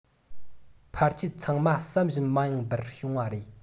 ཕལ ཆེར ཚང མ བསམ བཞིན མ ཡིན པར བྱུང བ ཡིན